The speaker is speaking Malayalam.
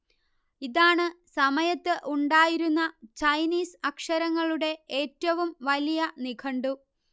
ഇതാണ് സമയത്ത് ഉണ്ടായിരുന്ന ചൈനീസ് അക്ഷരങ്ങളുടെ ഏറ്റവും വലിയ നിഘണ്ടു